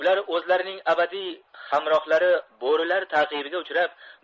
ular o'zlarining abadiy hamrohlari bo'rilar taqibiga uchrab